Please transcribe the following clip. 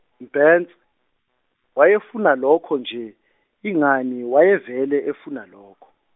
Mbhens- wayefuna lokho nje ingani wayevele efuna lokho.